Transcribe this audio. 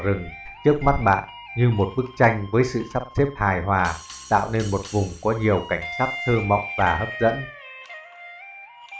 trước mắt bạn như một bức tranh với sự sắp xếp hài hoà tạo nên một vùng có nhiều cảnh sắc thơ mộng hấp dẫn